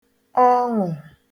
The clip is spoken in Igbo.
ọṅụ̀